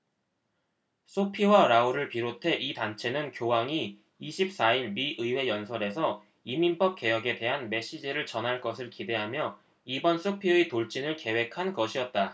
소피와 라울을 비롯해 이 단체는 교황이 이십 사 일 미 의회 연설에서 이민법 개혁에 대한 메시지를 전할 것을 기대하며 이번 소피의 돌진을 계획한 것이었다